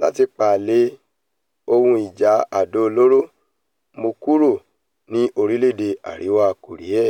láti palẹ̀ ohun ìjà àdó olóró mọ́ kúrò ní orílẹ̀-èdè Àriwá Kòrià.